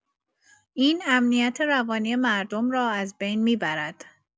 این امنیت روانی مردم را از بین می‌برد.